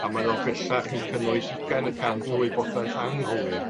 a mae o bellach yn cynnwys ugain y cant o wybodaeth anghywir.